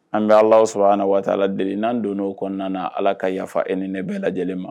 An bɛ alahu subehana wa ta ala deli n'an do n'o kɔnɔna na, ala ka yafa e ni ne bɛɛ lajɛlen ma.